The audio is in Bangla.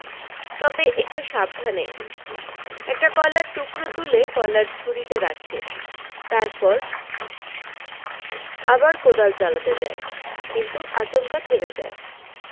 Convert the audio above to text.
তবে একটু সাবধানে একটা কয়লার টুকরো তুলে কয়লার ঝুড়িতে রাখে তারপর আবার কোদাল চালাতে যায় কিন্তু আচমকা থেমে যায়